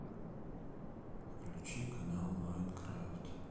включи канал майнкрафт